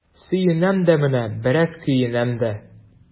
Сөенәм дә менә, бераз көенәм дә.